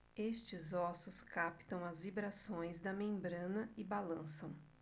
estes ossos captam as vibrações da membrana e balançam